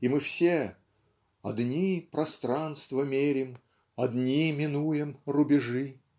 и мы все "одни пространства мерим одни минуем рубежи"